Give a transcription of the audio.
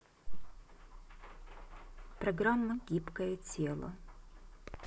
программа гибкое тело